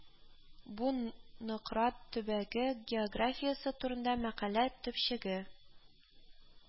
Бу Нократ төбәге географиясе турында мәкалә төпчеге